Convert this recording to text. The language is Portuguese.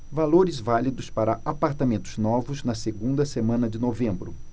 valores válidos para apartamentos novos na segunda semana de novembro